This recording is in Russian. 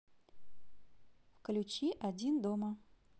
включи один дома